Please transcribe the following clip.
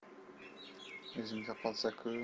o'zimga qolsa ku